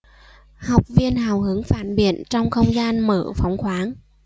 học viên hào hứng phản biện trong không gian mở phóng khoáng